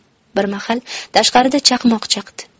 bir mahal tashqarida chaqmoq chaqdi